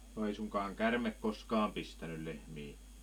no ei suinkaan käärme koskaan pistänyt lehmiä